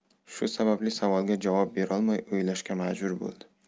shu sababli savolga javob berolmay o'ylashga majbur bo'ldi